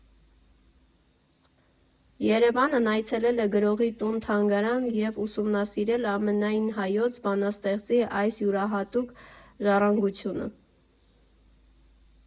«ԵՐԵՎԱՆՆ» այցելել է գրողի տուն֊թանգարան և ուսումնասիրել ամենայն հայոց բանաստեղծի այս յուրահատուկ ժառանգությունը։